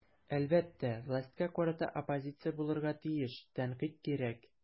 Әлбәттә, властька карата оппозиция булырга тиеш, тәнкыйть кирәк.